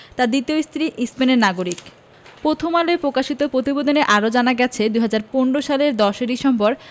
তাঁর দ্বিতীয় স্ত্রী স্পেনের নাগরিক পথম আলোয় পকাশিত পতিবেদনে আরও জানা গেছে ২০১৫ সালের ১০ ডিসেম্বর